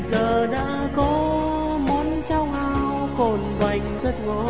vì giờ đã có món cháo ngao cồn vành rất ngon